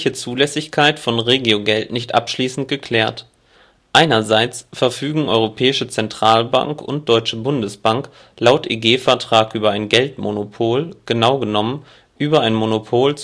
Zulässigkeit von Regiogeld nicht abschließend geklärt. Einerseits verfügen Europäische Zentralbank und Deutsche Bundesbank laut EG-Vertrag über ein Geldmonopol, genau genommen über ein Monopol